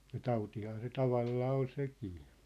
ja tautihan se tavallaan oli sekin